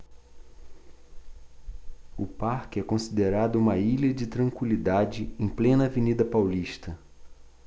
o parque é considerado uma ilha de tranquilidade em plena avenida paulista